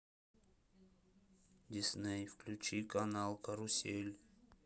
дисней включи канал карусель